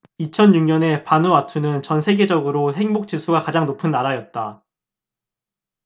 이천 육 년에 바누아투는 전 세계적으로 행복 지수가 가장 높은 나라였다